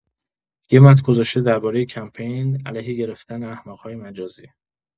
یه متن گذاشته دربارۀ کمپین علیه گرفتن احمق‌های مجازی.